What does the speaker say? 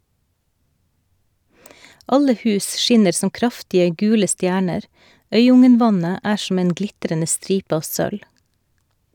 Alle hus skinner som kraftige, gule stjerner, Øyungen-vannet er som en glitrende stripe av sølv.